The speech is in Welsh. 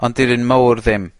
ond 'di'r un mowr ddim...